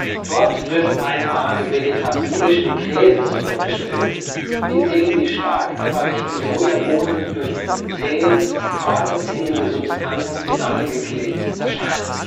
Dort wird „ eine Art vegetablischen Käses “vorgestellt, in dem „ die stark erweichten Sojabohnen durch eine zähe, fadenziehende Substanz zusammengeklebt “erscheinen